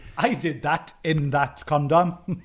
I did that in, in that condom.